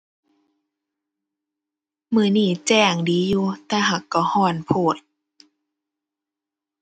มื้อนี้แจ้งดีอยู่ แต่หากก็ก็โพด